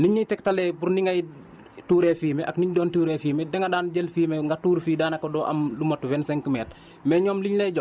parce que nim ñuy tegtalee pour ni ngay tuuree fumier ak ni mu doon tuuree fumier danga daan jël fumier nga tuur fii daanaka doo am lu mot vingt cinq mètres